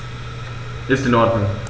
Ist in Ordnung.